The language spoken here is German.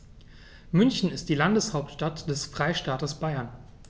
München ist die Landeshauptstadt des Freistaates Bayern.